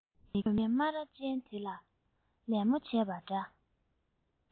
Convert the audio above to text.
ཁོས མི རྒན སྨ ར ཅན དེ ལ ལད མོ བྱས པ འདྲ